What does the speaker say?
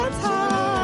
Tata. Twdalŵ!